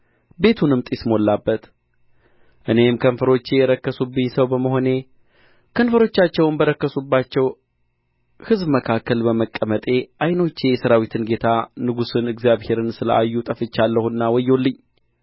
ቤቱንም ጢስ ሞላበት እኔም ከንፈሮቼ የረከሱብኝ ሰው በመሆኔ ከንፈሮቻቸውም በረከሱባቸው ሕዝብ መካከል በመቀመጤ ዓይኖቼ የሠራዊትን ጌታ ንጉሡን እግዚአብሔርን ስለ አዩ ጠፍቻለሁና ወዮልኝ